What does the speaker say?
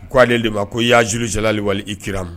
K ko'ale de ma ko y'ajurujɛli wali i kira